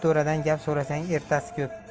to'radan gap so'rasang ertasi ko'p